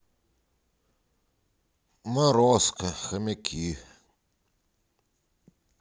морозко хомяки